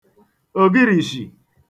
ògirìshì